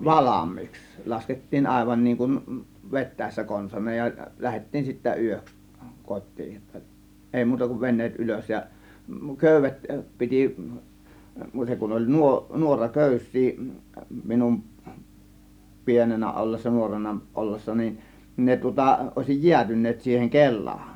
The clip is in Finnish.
valmiiksi laskettiin aivan niin kuin vetäessä konsanaan ja lähdettiin sitten yöksi kotiin että ei muuta kuin veneet ylös ja köydet piti muuten kun oli -- nuoraköysiä minun pienenä ollessa nuorena ollessa niin ne tuota olisi jäätyneet siihen kelaan